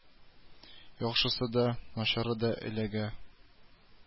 Яхшысы да, начары да эләгә